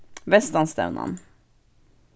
vestanstevnan